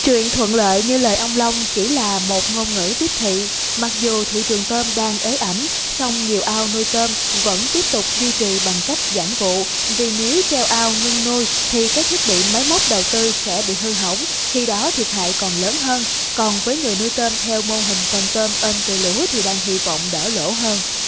chuyện thuận lợi như lời ông long chỉ là một ngôn ngữ tiếp thị mặc dù thị trường tôm đang ế ẩm song nhiều ao nuôi tôm vẫn tiếp tục duy trì bằng cách giản vụ vì nếu treo ao ngưng nuôi thì các thiết bị máy móc đầu tư sẽ bị hư hỏng khi đó thiệt hại còn lớn hơn còn với người nuôi tôm theo mô hình con tôm ôm cây lúa thì đang hy vọng đỡ lỗ hơn